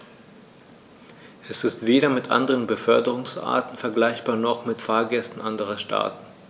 Er ist weder mit anderen Beförderungsarten vergleichbar, noch mit Fahrgästen anderer Staaten.